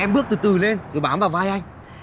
em bước từ từ lên rồi bám vào vai anh